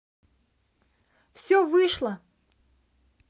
все вышло